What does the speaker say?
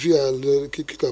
scientifiquement ni muy demee